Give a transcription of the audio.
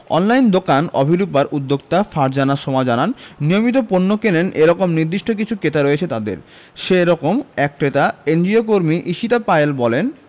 online দোকান অভিরুপার উদ্যোক্তা ফারজানা সোমা জানান নিয়মিত পণ্য কেনেন এ রকম নির্দিষ্ট কিছু ক্রেতা রয়েছে তাঁদের সে রকম এক ক্রেতা এনজিওকর্মী ঈশিতা পায়েল বলেন